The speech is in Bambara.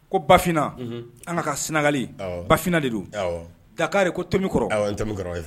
Ko bafinina an ka sinagali bafinina de don dagakari ye ko tommi kɔrɔ